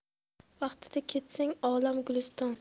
vaqtida ketsang olam guliston